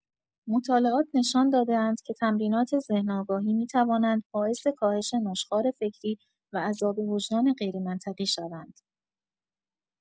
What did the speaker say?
مطالعات نشان داده‌اند که تمرینات ذهن‌آگاهی می‌توانند باعث کاهش نشخوار فکری و عذاب وجدان غیرمنطقی شوند.